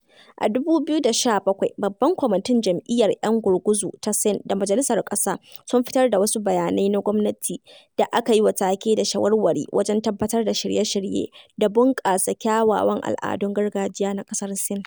A 2017, babban kwamitin Jam'iyyar 'Yan Gurguzu ta Sin da majalisar ƙasa sun fitar da wasu bayanai na gwamnati da aka yi wa take da "shawarwari wajen tabbatar da shirye-shirye da bunƙasa kyawawan al'adun gargajiya na ƙasar Sin".